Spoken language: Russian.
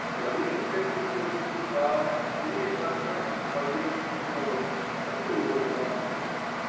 Человеческая мысль очень лукава и умеет раскрасить в багрец и золото какой угодно поступок